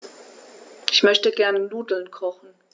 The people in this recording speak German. Ich möchte gerne Nudeln kochen.